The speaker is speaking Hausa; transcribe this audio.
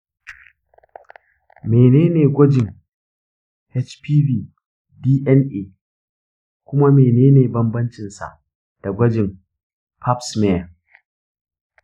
mene ne gwajin hpv dna, kuma menene bambancinsa da gwajin pap smear?